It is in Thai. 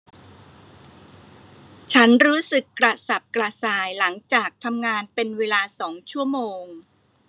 ฉันรู้สึกกระสับกระส่ายหลังจากทำงานเป็นเวลาสองชั่วโมง